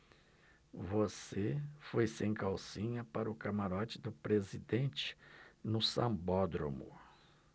você foi sem calcinha para o camarote do presidente no sambódromo